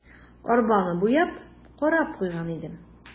Арбаны буяп, карап куйган идем.